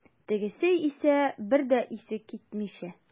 Тегесе исә, бер дә исе китмичә.